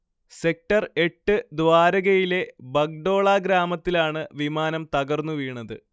sector എട്ട് ദ്വാരകയിലെ ബഗ്ഡോള ഗ്രാമത്തിലാണ് വിമാനം തകർന്നുവീണത്